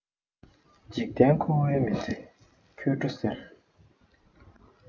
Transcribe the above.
འཇིག རྟེན འཁོར བའི མི ཚེ འཁྱོལ འགྲོ ཟེར